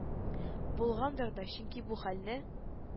Булгандыр да, чөнки бу хәлне